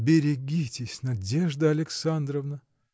– Берегитесь, Надежда Александровна!